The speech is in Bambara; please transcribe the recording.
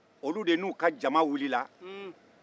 olu de ni u ka jama wulila